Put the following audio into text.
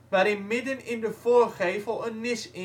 waarin midden in de voorgevel een nis